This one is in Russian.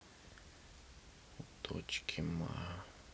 у дочки ма